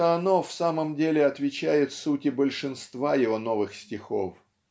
что он в самом деле отвечает сути большинства его новых стихов.